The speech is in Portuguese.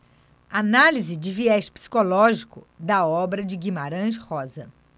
análise de viés psicológico da obra de guimarães rosa